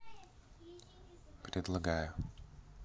предлагаю